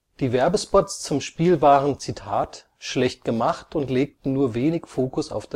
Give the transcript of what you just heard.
Die Werbespots zum Spiel waren „ schlecht gemacht und legten nur wenig Fokus auf